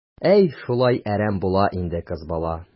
Әй, шулай әрәм була инде кыз бала.